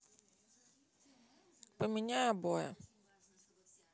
поменяй обои